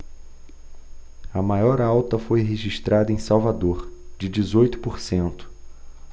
a maior alta foi registrada em salvador de dezoito por cento